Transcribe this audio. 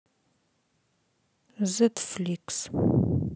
зет фликс